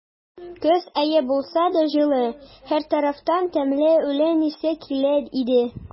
Көз ае булса да, җылы; һәр тарафтан тәмле үлән исе килә иде.